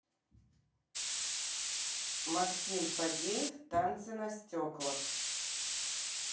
максим фадеев танцы на стеклах